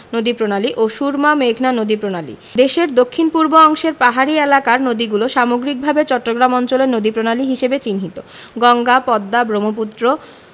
নদীপ্রণালী ও সুরমা মেঘনা নদীপ্রণালী দেশের দক্ষিণ পূর্ব অংশের পাহাড়ী এলাকার নদীগুলো সামগ্রিকভাবে চট্টগ্রাম অঞ্চলের নদীপ্রণালী হিসেবে চিহ্নিত গঙ্গা পদ্মা ব্রহ্মপুত্র